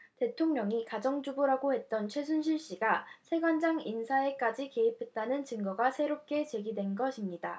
대통령이 가정주부라고 했던 최순실씨가 세관장 인사에까지 개입했다는 증거가 새롭게 제기된겁니다